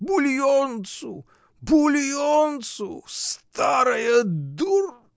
бульонцу, бульонцу, старая дур.